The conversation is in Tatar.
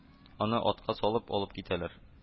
Аны атка салып алып китәләр